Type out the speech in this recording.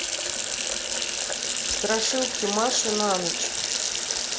страшилки маши на ночь